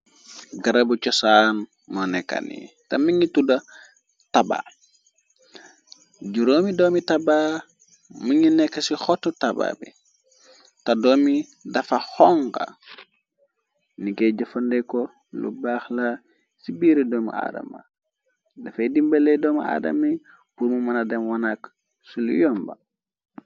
Garabu chosaan mo nekkani, ta mi ngi tudda taba. Juróomi doomi taba mi ngi nekk ci xotu taba bi, te doom bi dafa xonga. nikoy jéfandekor, lu baaxla ci biiri doomi aadama. Dafay dimbalee doomi aadami purr mu muna dem wanak sulu yomba.